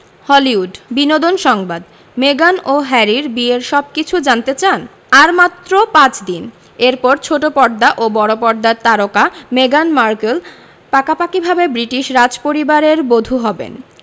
Hollywood বিনোদন সংবাদ মেগান ও হ্যারির বিয়ের সবকিছু জানতে চান আর মাত্র পাঁচ দিন এরপর ছোট পর্দা ও বড় পর্দার তারকা মেগান মার্কেল পাকাপাকিভাবে ব্রিটিশ রাজপরিবারের বধূ হবেন